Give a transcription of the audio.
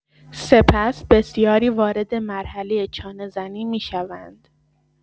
سپس بسیاری وارد مرحله چانه‌زنی می‌شوند.